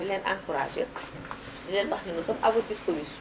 di leen encouragé di leen wax ne nous sommes à votre disposition